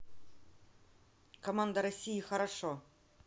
команда россии хорошо